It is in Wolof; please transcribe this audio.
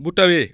bu tawee